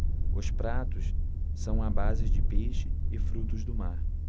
os pratos são à base de peixe e frutos do mar